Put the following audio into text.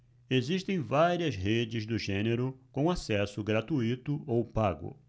existem várias redes do gênero com acesso gratuito ou pago